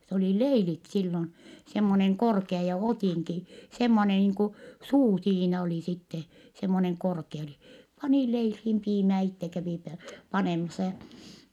se oli leilit silloin semmoinen korkea ja ottinki semmoinen niin kuin suu siinä oli sitten semmoinen korkea oli pani leiliin piimää itse kävi - panemassa ja